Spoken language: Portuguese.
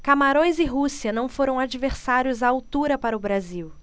camarões e rússia não foram adversários à altura para o brasil